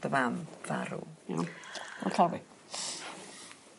...dy fam farw. Iawn oce.